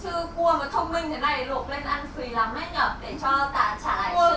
chứ cua mà thông minh thế này luộc lên ăn phí lắm ấy nhờ để cho trả lại